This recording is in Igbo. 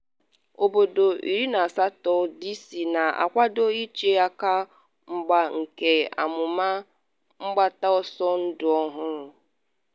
Obodo 18, D.C na-akwado ịche aka mgba nke amụma mgbata ọsọ ndụ ọhụrụ